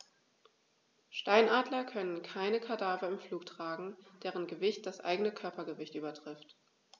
Steinadler können keine Kadaver im Flug tragen, deren Gewicht das eigene Körpergewicht übertrifft.